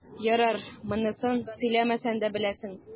Ярар, монысын сөйләмәсәм дә беләсең.